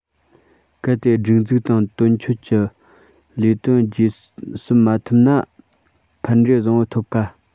གལ ཏེ སྒྲིག འཛུགས དང དོན འཁྱོལ གྱི ལས དོན རྗེས ཟིན མ ཐུབ ན ཕན འབྲས བཟང པོ འཐོབ དཀའ